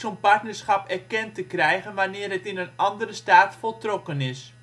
partnerschap erkend te krijgen wanneer het in een andere staat voltrokken is